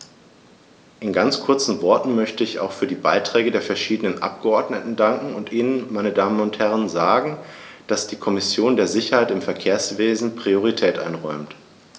In ganz kurzen Worten möchte ich auch für die Beiträge der verschiedenen Abgeordneten danken und Ihnen, meine Damen und Herren, sagen, dass die Kommission der Sicherheit im Verkehrswesen Priorität einräumt.